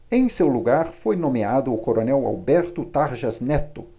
em seu lugar foi nomeado o coronel alberto tarjas neto